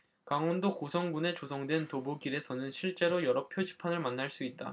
강원도 고성군에 조성된 도보길에서는 실제로 여러 표지판을 만날 수 있다